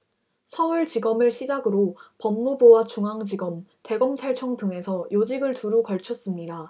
서울지검을 시작으로 법무부와 중앙지검 대검찰청 등에서 요직을 두루 걸쳤습니다